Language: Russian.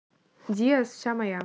diazz вся моя